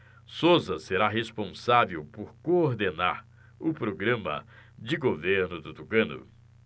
souza será responsável por coordenar o programa de governo do tucano